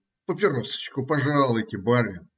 Папиросочку пожалуйте, барин!